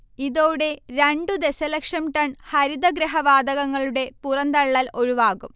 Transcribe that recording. ഇതോടെ രണ്ടു ദശലക്ഷം ടൺ ഹരിതഗൃഹ വാതകങ്ങളുടെ പുറന്തള്ളൽ ഒഴിവാകും